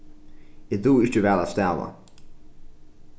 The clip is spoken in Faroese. eg dugi ikki væl at stava